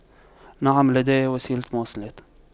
نعم لدي وسيلة مواصلات